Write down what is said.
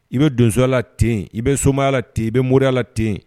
I bɛ donsoyala ten i bɛ somaya la ten i bɛ moriɔriyala ten